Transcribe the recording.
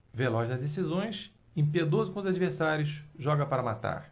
veloz nas decisões impiedoso com os adversários joga para matar